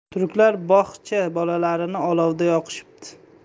turklar bog'cha bolalarini olovda yoqishibdi